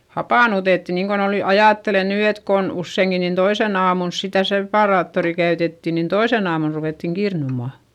hapannutettiin niin kuin oli nyt ajattele nyt että kun useinkin niin toisena aamulla sitä separaattoria käytettiin niin toisena aamuna ruvettiin kirnuamaan